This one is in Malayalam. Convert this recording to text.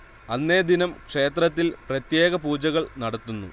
അന്നേ ദിനം ക്ഷേത്രത്തിൽ പ്രത്യേക പൂജകൾ നടത്തുന്നു